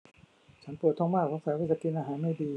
ฉันปวดท้องมากสงสัยว่าจะกินอาหารไม่ดี